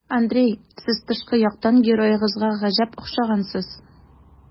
Андрей, сез тышкы яктан героегызга гаҗәп охшагансыз.